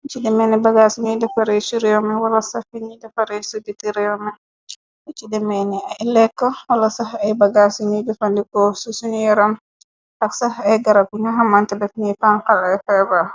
lu ci demeeni bagaas ñuy defaree ci rémi wala safi ñu defaree subiti rémi lu ci demeeni ay lekk wala sax ay bagaas yuñuy defandikoo su suñu yaram ak sax ay garab buñu xamante lex ñi fanxalay feebar.